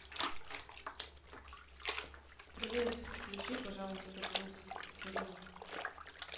привет включи пожалуйста пес сериал